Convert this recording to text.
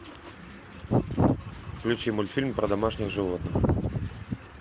включи мультфильм про домашних животных